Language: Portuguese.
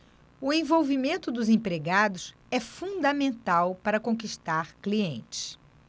o envolvimento dos empregados é fundamental para conquistar clientes